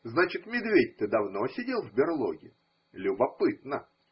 Значит, медведь-то давно сидел в берлоге? Любопытно.